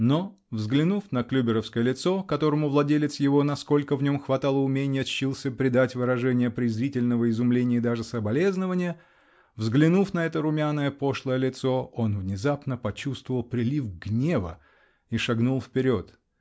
но, взглянув на клюберовское лицо, которому владелец его, насколько в нем хватало уменья, тщился придать выражение презрительного изумления и даже соболезнования, -- взглянув на это румяное, пошлое лицо, он внезапно почувствовал прилив гнева -- и шагнул вперед.